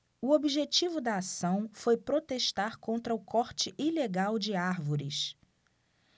o objetivo da ação foi protestar contra o corte ilegal de árvores